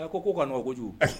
A ko ko ko kojugu